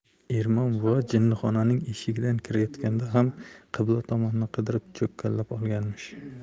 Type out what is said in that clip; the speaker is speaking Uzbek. ermon buva jinnixonaning eshigidan kirayotganda ham qibla tomonni qidirib cho'kkalab olganmish